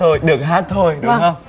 thôi được hát thôi đúng